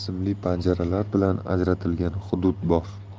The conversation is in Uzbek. simli panjaralar bilan ajratilgan hudud bor